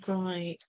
Right.